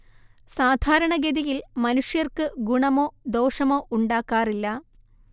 സാധാരണഗതിയിൽ മനുഷ്യർക്ക് ഗുണമോ ദോഷമോ ഉണ്ടാക്കാറില്ല